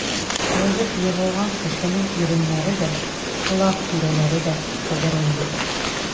Таеп егылган кешенең иреннәре дә, колак тирәләре дә сыдырылмый.